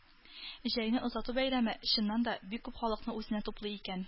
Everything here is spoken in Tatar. Җәйне озату бәйрәме, чыннан да, бик күп халыкны үзенә туплый икән.